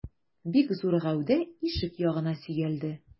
Бик зур гәүдә ишек яңагына сөялде.